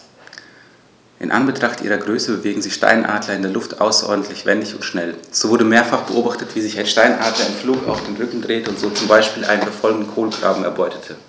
In Anbetracht ihrer Größe bewegen sich Steinadler in der Luft außerordentlich wendig und schnell, so wurde mehrfach beobachtet, wie sich ein Steinadler im Flug auf den Rücken drehte und so zum Beispiel einen verfolgenden Kolkraben erbeutete.